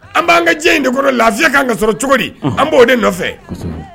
An b'an ka diɲɛ in de kɔnɔ lafiya ka kan ka sɔrɔ cogo di an b'o de nɔfɛ